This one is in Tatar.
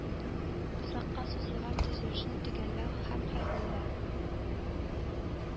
Озакка сузылган төзелешне төгәлләү һәм хәйбулла